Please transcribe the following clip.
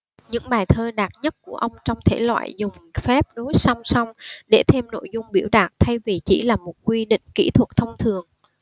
những bài thơ đạt nhất của ông trong thể loại dùng phép đối song song để thêm nội dung biểu đạt thay vì chỉ là một quy định kỹ thuật thông thường